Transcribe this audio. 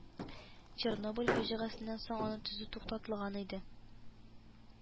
Чернобыль фаҗигасеннән соң аны төзү туктатылган иде